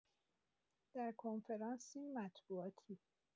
در کنفرانسی مطبوعاتی